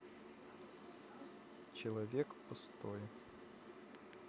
человек пустой